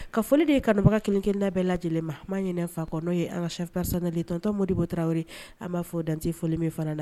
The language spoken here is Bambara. Ka foli de ye kabaga kelenkelenda bɛɛ lajɛ lajɛlen ma ma ɲin fa kɔnɔ n'o ye an kaspselitɔntɔnmodi bɔtaori an b'a fɔo dante folioli min fana na